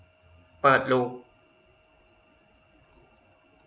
เปิดลูป